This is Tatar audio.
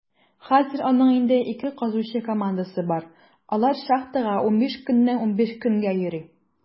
Хәзер аның инде ике казучы командасы бар; алар шахтага 15 көннән 15 көнгә йөри.